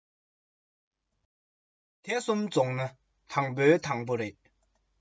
སྲོལ བཟང གཞག རྒྱུ ཨེ ཡོང ལྟོས ཤིག ཨང